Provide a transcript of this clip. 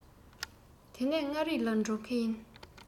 དེ ནས མངའ རིས ལ འགྲོ གི ཡིན